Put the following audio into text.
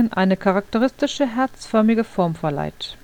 eine charakteristische, herzförmige Form verleiht